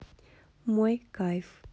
мой кайф